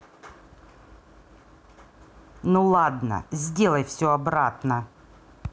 ну ладно сделай все обратно